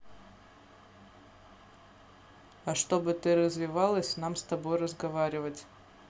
а чтобы ты развивалась нам с тобой разговаривать